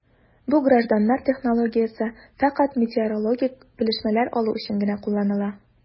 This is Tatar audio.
Бу гражданнар технологиясе фәкать метеорологик белешмәләр алу өчен генә кулланыла...